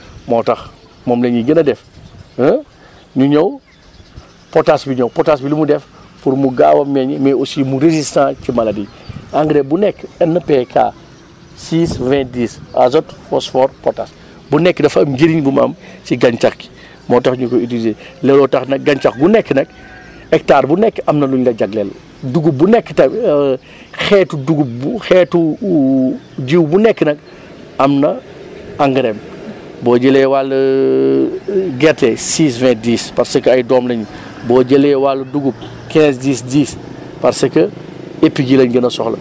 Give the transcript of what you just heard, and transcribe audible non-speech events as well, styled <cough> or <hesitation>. moo tax moom la ñuy gën a def <hesitation> ñu ñëw potsse bi ñëw potasse bi lu muy def pour mu gaaw a meññ mais aussi mu résistant ci maladies yi engrais bu nekk NPK 6 20 10 azote phosphore potasse bu nekk dafa am njëriñ bu mu am ci gàncax gi moo tax ñu koy utilisé looloo tax nag gàncax gu nekk nag hectare bu nekk am na lu ñu la jagleel dugub bu nekk tam <hesitation> xeetu dugub bu xeetu <hesitation> jiw bu nekk nag am na engrais boo jëlee wàll <hesitation> gerte 6 20 10 parce que ay doom lañu boo jëlee wàll dugub 15 10 10 parce que <noise> épi ji lañ gën a soxla